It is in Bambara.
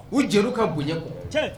U jeliw ka bonya ko